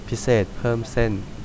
พิเศษเพิ่มเส้น